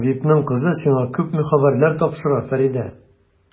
Табибның кызы сиңа күпме хәбәрләр тапшыра, Фәридә!